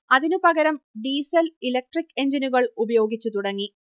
അതിനുപകരം diesel electric എഞ്ചിനുകൾ ഉപയോഗിച്ചു തുടങ്ങി